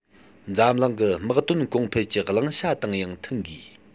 འཛམ གླིང གི དམག དོན གོང འཕེལ གྱི བླང བྱ དང ཡང མཐུན དགོས